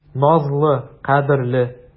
Назлы, кадерле.